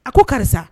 A ko karisa